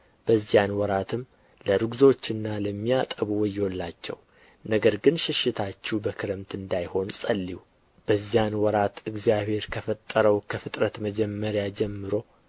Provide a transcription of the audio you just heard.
በዚያን ወራትም ለርጉዞችና ለሚያጠቡ ወዮላቸው ነገር ግን ሽሽታችሁ በክረምት እንዳይሆን ጸልዩ በዚያን ወራት እግዚአብሔር ከፈጠረው ከፍጥረት መጀመሪያ ጀምሮ